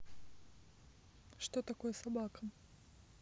что такое собака